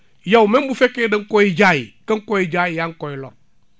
yow même bu fekkee da nga koy jaay ka nga koy jaay yaa ngi koy lor